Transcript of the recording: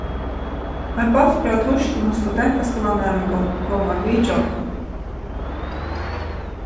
ein bólkur av týskum studentaskúlanæmingum komu at vitja okkum